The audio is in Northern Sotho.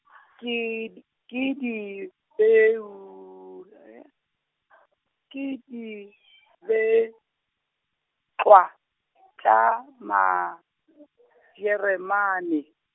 ke d-, ke di peu, ke di betlwa, tša, Majeremane.